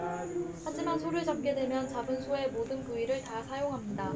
하지만 소를 잡게 되면 잡은 소의 모든 부위를 다 사용합니다